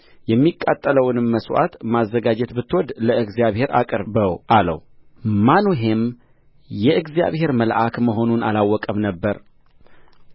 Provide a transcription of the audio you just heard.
የሚቃጠለውንም መሥዋዕት ማዘጋጀት ብትወድድ ለእግዚአብሔር አቅርበው አለው ማኑሄም የእግዚአብሔር መልአክ መሆኑን አላወቀም ነበር